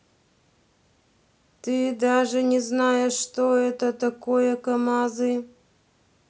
ты даже не знаешь что это такое камазы